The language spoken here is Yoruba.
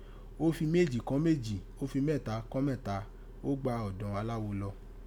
ó fi meéjì kọ́n meéjì, ó fi mẹẹ́ta kọ́n mẹẹ̀ta, ó gbà ọ̀dọ̀n aláwo lọ.